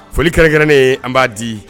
Foli kɛrɛnkɛrɛnnen an b'a di